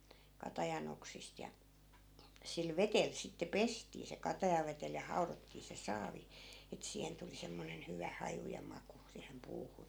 katajan oksista ja sillä vedellä sitten pestiin se katajavedellä ja haudottiin se saavi että siihen tuli semmoinen hyvä haju ja maku siihen puuhun